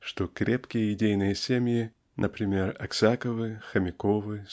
что крепкие идейные семьи (например Аксаковы Хомяковы